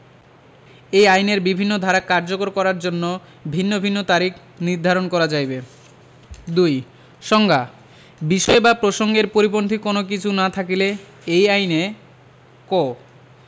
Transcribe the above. এই আইনের বিভিন্ন ধারা কার্যকর করার জন্য ভিন্ন ভিন্ন তারিখ নির্ধারণ করা যাইবে ২ সংজ্ঞাঃ বিষয় বা প্রসংগের পরিপন্থী কোন কিছু না থাকিলে এই আইনে ক